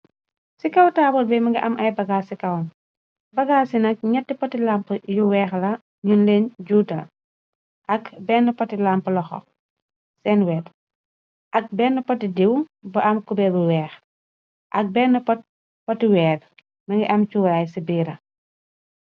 ci kaw taabal bi mëngi am ay bagaa ci kaw bagaa ci nak ñetti poti lamp yu weex la ñun leen juuta ak benn poti lamp loxo seen weet ak benn poti diiw bu am kubeebu weex ak benn poti weer mëngi am cuuraay ci biira